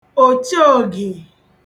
òcheògè